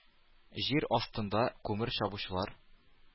Җир астында күмер чабучылар,